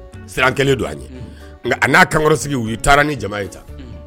Siran kɛlen don a ye nka a n'a kankɔrɔ sigi u taara ni jama ye ta